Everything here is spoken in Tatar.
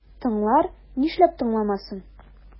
Тыңлар, нишләп тыңламасын?